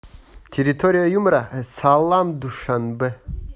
территория юмора салам душанбе